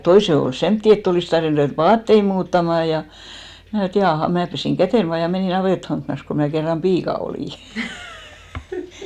toisen oli semmoisia että olisi tarvinnut ruveta vaatteita muuttamaan ja minä ajattelin että jaaha ja minä pesin käteni vaan ja menin navettahankkinassa kun minä kerran piika olin